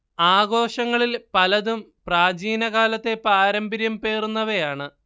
ആഘോഷങ്ങളിൽ പലതും പ്രാചീനകാലത്തെ പാരമ്പര്യം പേറുന്നവയാണ്